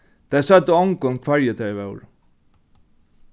tey søgdu ongum hvørji tey vóru